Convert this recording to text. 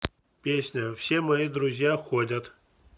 песня все мои друзья ходят